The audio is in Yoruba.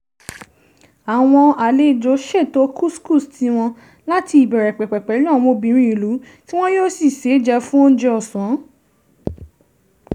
Àwọn àlejò ṣètò couscous tiwọn láti ìbẹ̀rẹ̀ pẹ̀pẹ̀ pẹ̀lú àwọn obìnrin ìlú, tí wọn yóò sì sè é jẹ fún oúnjẹ ọ̀sán.